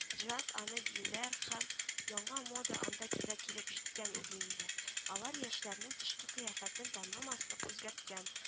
Джаз, аны биюләр һәм яңа мода анда килекилеп җиткән иде инде, алар яшьләрнең тышкы кыяфәтен танымаслык үзгәрткән